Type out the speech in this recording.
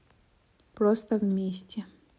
просто вместе